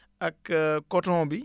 ak coton bi